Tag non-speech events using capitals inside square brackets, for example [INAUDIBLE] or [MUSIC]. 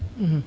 [HESITATION] [HESITATION]